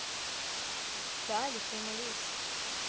dali прямо лиз